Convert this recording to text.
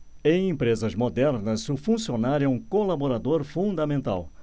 em empresas modernas o funcionário é um colaborador fundamental